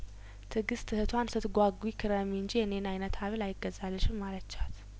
ትግስት እህቷን ስትጓጉ ክረሚ እንጂ የኔን አይነት ሀብል አይገዛልሽም አለቻት